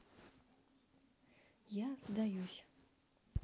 я сдаюсь